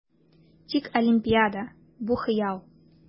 Тик Олимпиада - бу хыял!